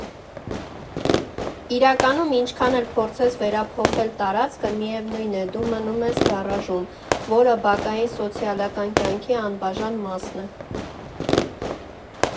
«Իրականում, ինչքան էլ փորձես վերափոխել տարածքը, միևնույն է՝ դու մնում ես գարաժում, որը բակային սոցիալական կյանքի անբաժան մասն է»։